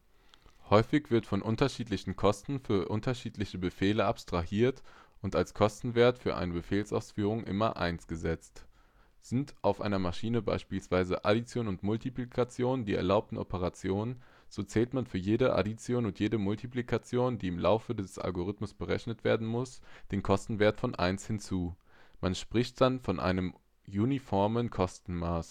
Häufig wird von unterschiedlichen Kosten für unterschiedliche Befehle abstrahiert und als Kostenwert für eine Befehlsausführung immer 1 gesetzt. Sind auf einer Maschine beispielsweise Addition und Multiplikation die erlaubten Operationen, so zählt man für jede Addition und jede Multiplikation, die im Laufe des Algorithmus berechnet werden müssen, den Kostenwert von 1 hinzu. Man spricht dann auch von einem uniformen Kostenmaß